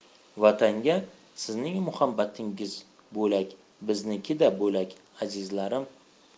vatanga sizning muhabbatingiz bo'lak biznikida bo'lak azizlarim